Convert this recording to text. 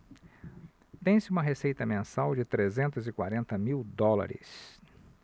tem-se uma receita mensal de trezentos e quarenta mil dólares